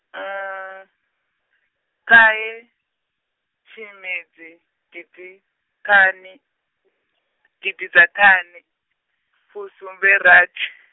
ṱahe, tshimedzi gidi thani, gidiḓaṱahefusumberathi.